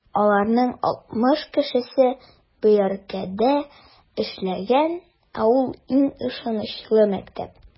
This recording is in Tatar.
Аларның алтмыш кешесе Бояркада эшләгән, ә ул - иң ышанычлы мәктәп.